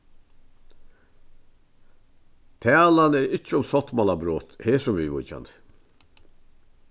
talan er ikki um sáttmálabrot hesum viðvíkjandi